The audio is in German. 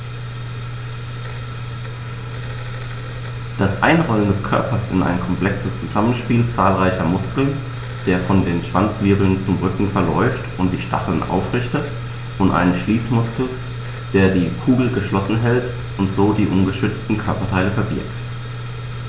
Das Einrollen des Körpers ist ein komplexes Zusammenspiel zahlreicher Muskeln, der von den Schwanzwirbeln zum Rücken verläuft und die Stacheln aufrichtet, und eines Schließmuskels, der die Kugel geschlossen hält und so die ungeschützten Körperteile verbirgt.